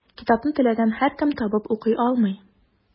Китапны теләгән һәркем табып укый алмый.